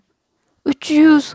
uch yuz